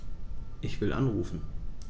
Ich will anrufen.